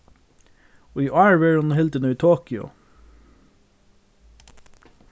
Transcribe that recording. í ár verður hon hildin í tokyo